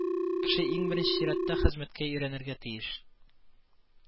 Кеше иң беренче чиратта хезмәткә өйрәнергә тиеш